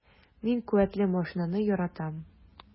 Мин куәтле машинаны яратам.